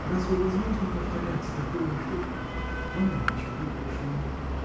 Разве возможно повторять такую ошибку!. Во мне ничего больше нет.